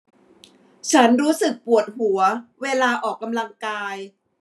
ฉันรู้สึกปวดหัวเวลาออกกำลังกาย